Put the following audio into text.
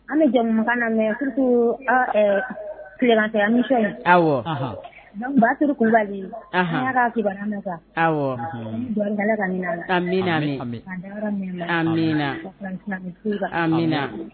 An jamu mɛ aw ba kulubali aw amimina amimina